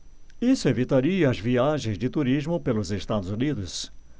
isso evitaria as viagens de turismo pelos estados unidos